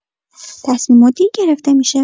تصمیما دیر گرفته می‌شه.